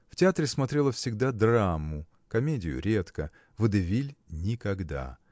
В театре смотрела всегда драму, комедию редко, водевиль никогда